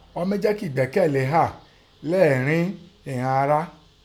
Ọ́ mín jẹ́ kí ẹ̀gbẹ́kẹ̀lé hà lẹ́ẹ̀ẹ́rín ìghan ará.